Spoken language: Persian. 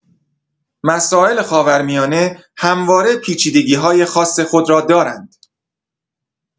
مسائل خاورمیانه همواره پیچیدگی‌های خاص خود را دارند.